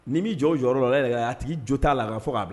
N'i mi jɔ i jɔyɔrɔ la tigi jo t'a la ka fo k'a ban